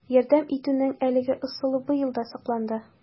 Ярдәм итүнең әлеге ысулы быел да сакланды: